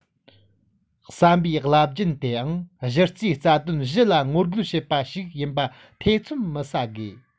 བསམ པའི རླབས རྒྱུན དེའང གཞི རྩའི རྩ དོན བཞི ལ ངོ རྒོལ བྱེད པ ཞིག ཡིན པ ཐེ ཚོམ ཟ མི དགོས